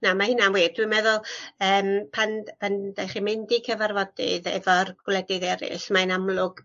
Na ma' hynna'n wir. Dwi'n meddwl yym pan d- pan 'dych chi'n mynd i cyfarfodydd efo'r gwledydd eryll mae'n amlwg